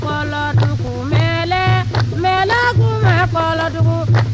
kolodugu mɛlɛ mɛlɛ kun bɛ kolodugu